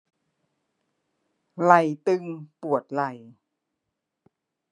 ไหล่ตึงปวดไหล่